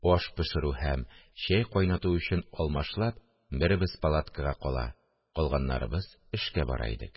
Аш пешерү һәм чәй кайнату өчен, алмашлап беребез палаткага кала, калганнарыбыз эшкә бара идек